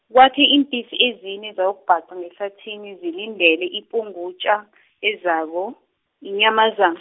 kwakhe iimpisi ezine zayokubhaqa ngehlathini zilindele ipungutjha , ezako, inyamazana.